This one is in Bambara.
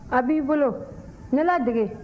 a b'i bolo ne ladege